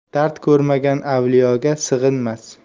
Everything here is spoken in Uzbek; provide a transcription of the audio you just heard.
dard ko'rmagan avliyoga sig'inmas